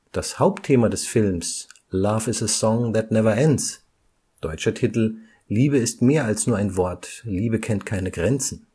Das Hauptthema des Films Love Is a Song (That Never Ends) (deutscher Titel: Liebe ist mehr als nur ein Wort – Liebe kennt keine Grenzen